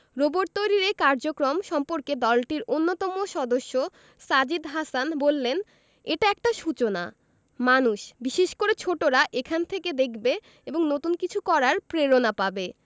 robot তৈরির এ কার্যক্রম সম্পর্কে দলটির অন্যতম সদস্য সাজিদ হাসান বললেন এটা একটা সূচনা মানুষ বিশেষ করে ছোটরা এখান থেকে দেখবে এবং নতুন কিছু করার প্রেরণা পাবে